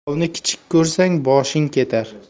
yovni kichik ko'rsang boshing ketar